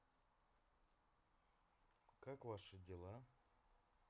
как ваши дела